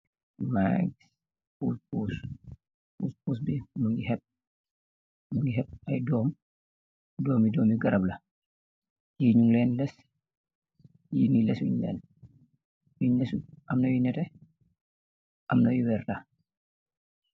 Maangy gis pous pous, pous pous bi mungy hehpp, mungy hehpp aiiy dorm, dormyi johnju garab la, yii nung len less, yii lessungh len, yungh lessut am na yu nehteh, am na yu vertah.